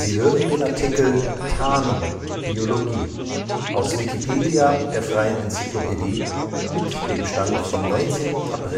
hören den Artikel Tarnung (Biologie), aus Wikipedia, der freien Enzyklopädie. Mit dem Stand vom Der